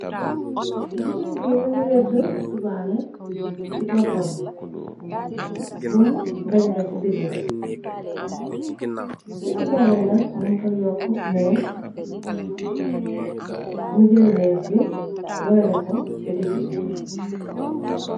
Jigéen bi mëngiletu tubaale ci poppambi bum dañale ci diggi bi ci tubaaley nak mum fa yokk mees mu jël mees bi warale ko ci diggi bi.